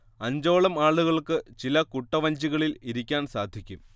അഞ്ചോളം ആളുകൾക്ക് ചില കുട്ടവഞ്ചികളിൽ ഇരിക്കാൻ സാധിക്കും